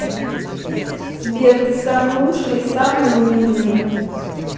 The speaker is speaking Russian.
сбер ты самый лучший и самый умный